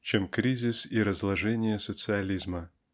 чем кризис и разложение социализма.